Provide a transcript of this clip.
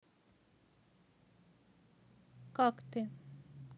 как ты